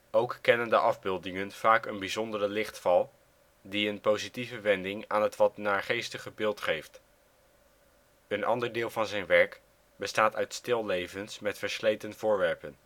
Ook kennen de afbeeldingen vaak een bijzondere lichtval, die een positieve wending aan het wat naargeestige beeld geeft. Een ander deel van zijn werk bestaat uit stillevens met versleten voorwerpen